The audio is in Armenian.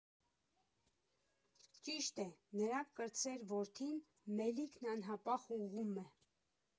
Ճիշտ է, նրա կրտսեր որդին՝ Մելիքն անհապաղ ուղղում է.